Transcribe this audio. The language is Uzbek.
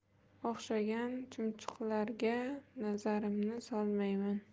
o'xshagan schumchuqlarga nazarimni solmayman